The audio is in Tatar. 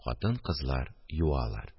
Хатын-кызлар юалар